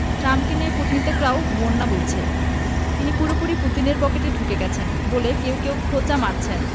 ট্রাম্পকে নিয়ে কটূনিতিকরাও বন্যা বইছে তিনি পুরোপুরি পুতিনের পকেটে ঢুকে গেছেন বলে কেউ কেউ খোঁচা মারছেন